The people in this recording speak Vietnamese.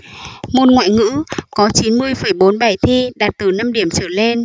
môn ngoại ngữ có chín mươi phẩy bốn bài thi đạt từ năm điểm trở lên